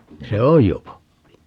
se on jo pappi